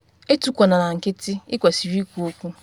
Etukwuna na nkịtị - ị kwesịrị ikwu okwu.”